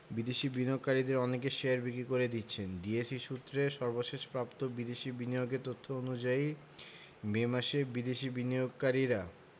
বিদেশি বিনিয়োগকারীদের অনেকে শেয়ার বিক্রি করে দিচ্ছেন ডিএসই সূত্রে প্রাপ্ত সর্বশেষ বিদেশি বিনিয়োগের তথ্য অনুযায়ী মে মাসে বিদেশি বিনিয়োগকারীরা